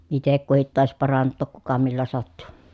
itse kukin taisi parantaa kuka millä sattui